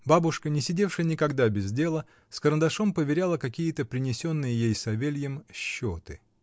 Бабушка, не сидевшая никогда без дела, с карандашом поверяла какие-то принесенные ей Савельем счеты.